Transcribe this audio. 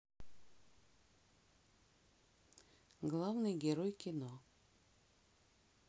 главный герой кино